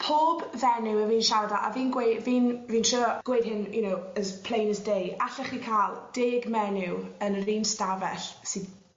pob fenyw 'yf fi'n siarad â a fi'n gweu- fi'n fi'n trio gweud hyn you know as plain as day allech chi ca'l deg menyw yn yr un stafell sydd